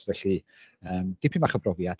Felly yym dipyn bach o brofiad.